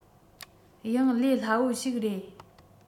ཡང ལས སླ བོ ཞིག རེད